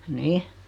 niin